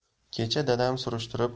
kecha dadam surishtirib